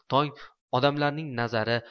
tong odamlarning nazari